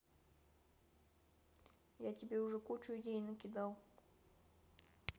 я тебе уже кучу идей накидал